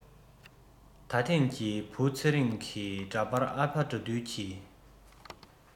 ད ཐེངས ཀྱི བུ ཚེ རིང གི འདྲ པར ཨ ཕ དགྲ འདུལ གྱི